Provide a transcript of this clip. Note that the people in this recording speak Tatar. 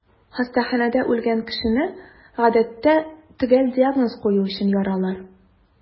Хастаханәдә үлгән кешене, гадәттә, төгәл диагноз кую өчен яралар.